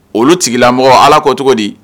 Olu sigilamɔgɔ ala ko cogo di